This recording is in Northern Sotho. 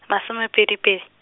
masomepedi pedi.